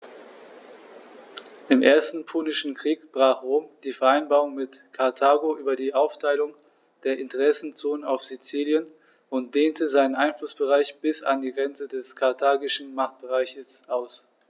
Im Ersten Punischen Krieg brach Rom die Vereinbarung mit Karthago über die Aufteilung der Interessenzonen auf Sizilien und dehnte seinen Einflussbereich bis an die Grenze des karthagischen Machtbereichs aus.